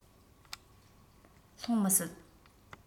ལྷུང མི སྲིད